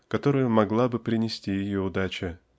которую могла бы принести ее удача.